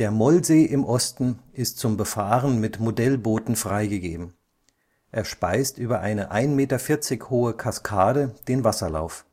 Mollsee im Osten ist zum Befahren mit Modellbooten freigegeben, er speist über eine 1,40 m hohe Kaskade den Wasserlauf